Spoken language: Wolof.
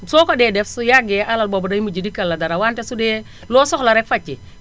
soo ko dee def su yàggee alal boobu day mujj dikkal la dara wante su dee loo soxla rekk faj ci